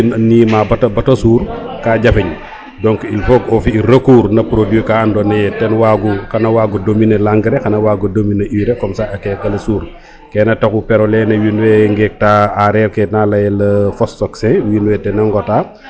nima bata bata suur ka jafeñ donc il faut o fi recourt no produit ka ando naye ten wagu xana wago dominer l' angres ne xana wago dominer urée comme ca a kekale suur kene taxu o pero lene wiin we ngeek ta a areer ke na leyel fosfokse wiin tens ngota